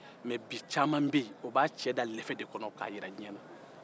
mɛ bi caman bɛ yen o b'a cɛ da lɛfɛ de kɔnɔ k'a jira diɲɛ na